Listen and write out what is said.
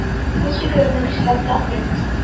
Үз фикеремне көчләп такмыйм.